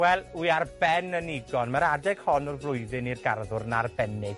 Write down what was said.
wel, wi ar ben 'yn nigon. Ma'r adeg hon o'r flwyddyn i'r garddwr yn arbennig.